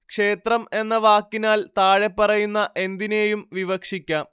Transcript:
ക്ഷേത്രം എന്ന വാക്കിനാൽ താഴെപ്പറയുന്ന എന്തിനേയും വിവക്ഷിക്കാം